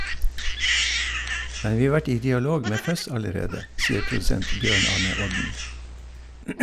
Men vi har vært i dialog med Fuzz allerede, sier produsent Bjørn Arne Odden.